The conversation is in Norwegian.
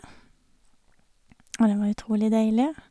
Og det var utrolig deilig.